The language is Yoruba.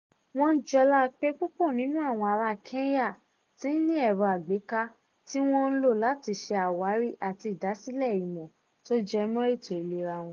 Wọ́n ń jọlá pé púpọ̀ nínú àwọn ará Kenya tí n ní ẹ̀rọ àgbéká, tí wọ́n lò ó láti ṣe àwárí àtí ìdásílẹ̀ ìmọ̀ tó jẹ mọ́ ètò ìlera wọn